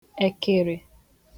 èkị̀rị̀